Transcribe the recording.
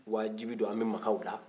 wajibi don an bɛ maga u la